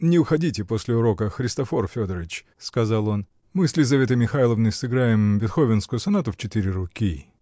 -- Не уходите после урока, Христофор Федорыч, -- сказал он, -- мы с Лизаветой Михайловной сыграем бетговенскую сонату в четыре руки.